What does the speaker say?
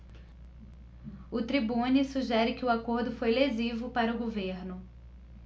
o tribune sugere que o acordo foi lesivo para o governo